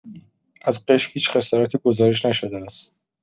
از قشم هیچ خسارتی گزارش نشده است.